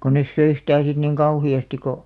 kun ne söi sitä sitten niin kauheasti kun